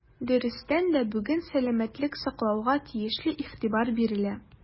Дөрестән дә, бүген сәламәтлек саклауга тиешле игътибар бирелә.